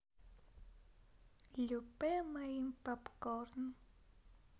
любэ моим попкорн